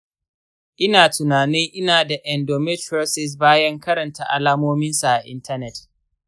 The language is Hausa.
ina tunanin ina da endometriosis bayan karanta alamominsa a intanet.